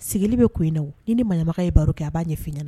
Sigilenli bɛ ko in na i ni ɲamakala ye b baro kɛ a b'a ɲɛfin i ɲɛna